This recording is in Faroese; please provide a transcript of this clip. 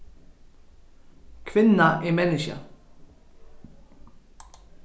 kvinna er menniskja